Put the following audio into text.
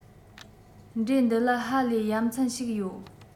འབྲས འདི ལ ཧ ལས ཡ མཚན ཞིག ཡོད